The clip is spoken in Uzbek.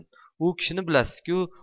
u kishini bilasiz ku